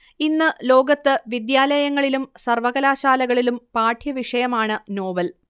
ഇന്ന് ലോകത്ത് വിദ്യാലയങ്ങളിലും സർവ്വകലാശാലകളിലും പാഠ്യവിഷയമാണ് നോവൽ